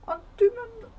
Ond dwi'm yn...